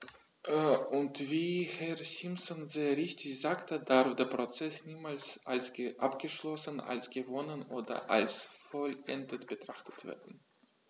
Und wie Herr Simpson sehr richtig sagte, darf der Prozess niemals als abgeschlossen, als gewonnen oder als vollendet betrachtet werden.